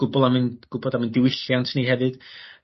gwbwl am ein gwbod am ein diwylliant ni hefyd.